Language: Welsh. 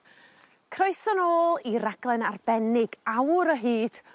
Croeso nôl i raglen arbennig awr o hyd...